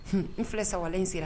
N filɛ sa walen n sera.